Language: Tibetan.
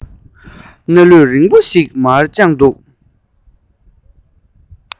སྣ ལུད རིང པོ ཞིག མར དཔྱངས འདུག